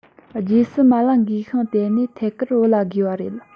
རྗེས སུ མ ལ འགོས ཤིང དེ ནས ཐད ཀར བུ ལ བསྒོས པ རེད